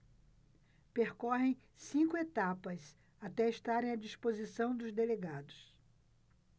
percorrem cinco etapas até estarem à disposição dos delegados